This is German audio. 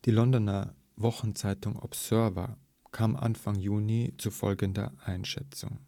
Londoner Wochenzeitung Observer kam Anfang Juni zu folgender Einschätzung